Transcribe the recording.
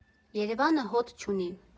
Երևանը հոտ չունի։